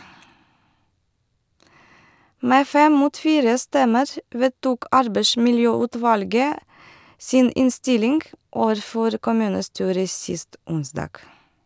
Med fem mot fire stemmer vedtok arbeidsmiljøutvalget sin innstilling overfor kommunestyret sist onsdag.